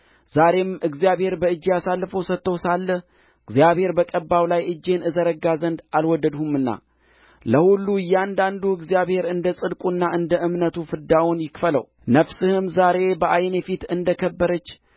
ዛሬም እግዚአብሔር በእጄ አሳልፎ ሰጥቶህ ሳለ እግዚአብሔር በቀባው ላይ እጄን እዘረጋ ዘንድ አልወደድሁምና ለሁሉ እያንዳንዱ እግዚአብሔር እንደ ጽድቁና እንደ እምነቱ ፍዳውን ይክፈለው ነፍስህም ዛሬ በዓይኔ ፊት እንደ ከበረች